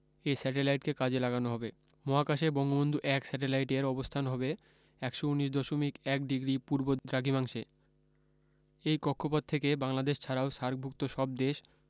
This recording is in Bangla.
এ স্যাটেলাইটকে কাজে লাগানো যাবে মহাকাশে বঙ্গবন্ধু ১ স্যাটেলাইটের অবস্থান হবে ১১৯ দশমিক ১ ডিগ্রি পূর্ব দ্রাঘিমাংশে এই কক্ষপথ থেকে বাংলাদেশ ছাড়াও সার্কভুক্ত সব দেশ